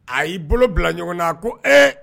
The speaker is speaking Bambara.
A y'i bolo bila ɲɔgɔn na ko eee